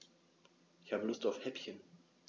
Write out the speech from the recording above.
Ich habe Lust auf Häppchen.